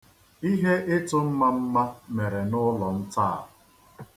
Ihe ịtụ mmamma mere n'ụlọ m taa.